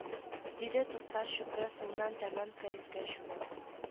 Диде туктар чүпрә суыннан тәмам кәефкә чумып